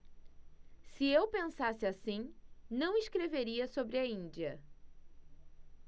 se eu pensasse assim não escreveria sobre a índia